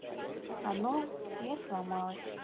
оно не сломалось